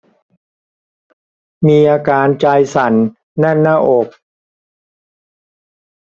มีอาการใจสั่นแน่นหน้าอก